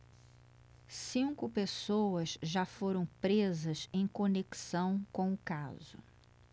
cinco pessoas já foram presas em conexão com o caso